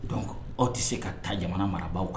Don aw tɛ se ka ta jamana marabagaw kan